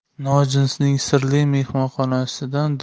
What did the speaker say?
nojinsning sirli mehmonxonasidan